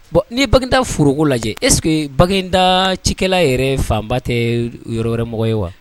Bon ni baganta foroko lajɛ eseke bagan in da cikɛla yɛrɛ fanba tɛ yɔrɔ wɛrɛmɔgɔ ye wa